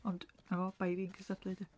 Ond 'na fo bai fi am cystadlu de?